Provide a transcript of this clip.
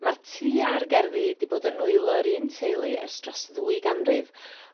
Ma'r tŷ ar gerddi 'di bod yn nwylo'r un teulu ers dros ddwy ganrif.